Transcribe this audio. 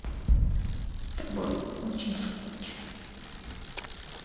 с тобой очень скучно